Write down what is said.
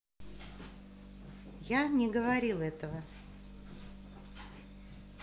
я не говорил этого